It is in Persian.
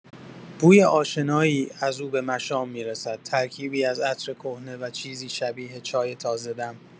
بوی آشنایی از او به مشام می‌رسد، ترکیبی از عطر کهنه و چیزی شبیه چای تازه دم.